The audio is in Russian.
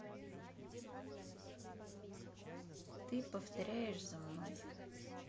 ты повторяешь за мной